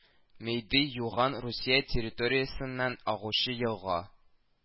Мейды-Юган Русия территориясеннән агучы елга